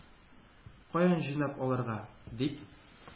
Каян җыйнап алырга? - дип,